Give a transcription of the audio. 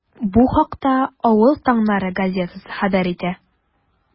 Бу хакта “Авыл таңнары” газетасы хәбәр итә.